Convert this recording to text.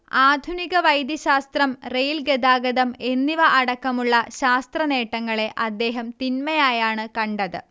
ആധുനിക വൈദ്യശാസ്ത്രം റെയിൽ ഗതാഗതം എന്നിവ അടക്കമുള്ള ശാസ്ത്രനേട്ടങ്ങളെ അദ്ദേഹം തിന്മയായാണ് കണ്ടത്